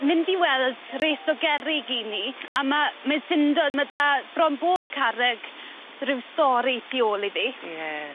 Mynd i weld res o gerrig 'yn ni a ma' mae'n syndod ma' 'da bron bob carreg rhyw stori tu ôl iddi. Ie.